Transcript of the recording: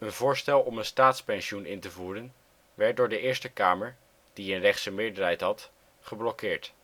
voorstel om een staatspensioen in te voeren, werd door de Eerste Kamer (die een rechtse meerderheid had) geblokkeerd